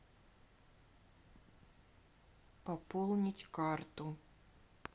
пополнить карту